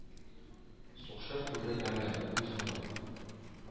Сугшып үлде бәгърем, күз нурым.